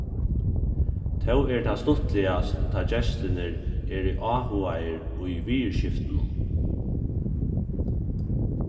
tó er tað stuttligast tá gestirnir eru áhugaðir í viðurskiftunum